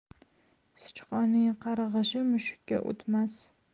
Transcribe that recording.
sichqonning qarg'ishi mushukka o'tmas